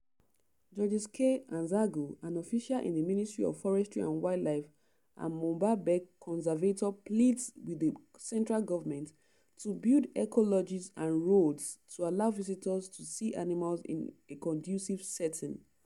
Georges K. Azangue, an official in the Ministry of Forestry and Wildlife and Boumba Bek Conservator pleads with the central government to “build eco-lodges and roads to allow visitors to see animals in a conducive setting.”